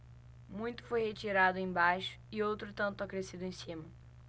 muito foi retirado embaixo e outro tanto acrescido em cima